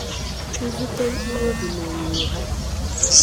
Nzute mkpụrụ obi na onyinyo ha